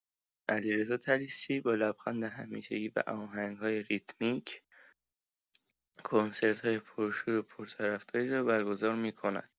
علیرضا طلیسچی با لبخند همیشگی و آهنگ‌های ریتمیک، کنسرت‌های پرشور و پرطرفداری را برگزار می‌کند.